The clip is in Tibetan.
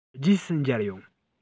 རྗེས སུ མཇལ ཡོང